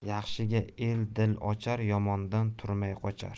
yaxshiga el dil ochar yomondan turmay qochar